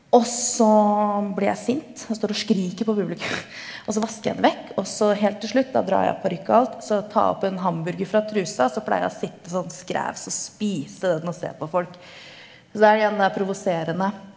og så blir jeg sint og står og skriker på publikum og så vasker jeg det vekk, og så helt til slutt da drar jeg av parykk og alt så ta opp en hamburger fra trusa og så pleier jeg å sitte sånn skrevs og spise den og se på folk, så er det igjen da provoserende.